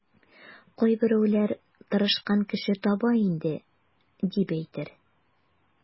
Кайберәүләр тырышкан кеше таба инде, дип әйтер.